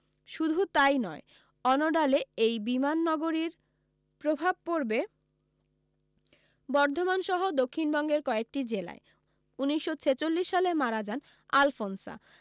শুধু তাই নয় অণডালে এই বিমাননগরীর প্রভাব পড়বে বর্ধমানসহ দক্ষিণবঙ্গের কয়েকটি জেলায় উনিশশ ছেচল্লিশ সালে মারা যান আলফোনসা